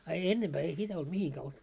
a ennempää ei sitä ollut mihinkään -